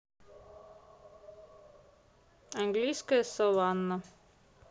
английская саванна